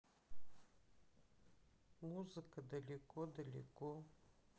музыка далеко далеко